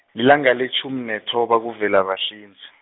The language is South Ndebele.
lilanga letjhumi nethoba kuVelabahlinze.